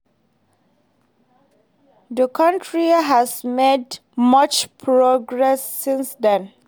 The country has made much progress since then.